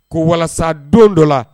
Ko walasa don dɔ la